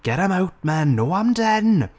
Get 'em out man, no harm done!